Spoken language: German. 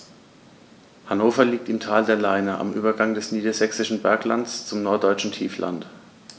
Hannover liegt im Tal der Leine am Übergang des Niedersächsischen Berglands zum Norddeutschen Tiefland.